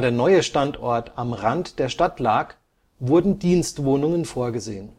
neue Standort am Rand der Stadt lag, wurden Dienstwohnungen vorgesehen